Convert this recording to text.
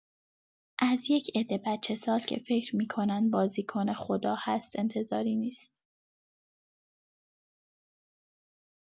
از یک عده بچه‌سال که فکر می‌کنن بازیکن خدا هست انتظاری نیست!